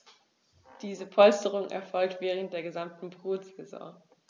Diese Polsterung erfolgt während der gesamten Brutsaison.